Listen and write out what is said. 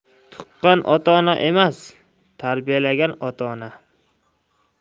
tuqqan ota ona emas tarbiyalagan ota ona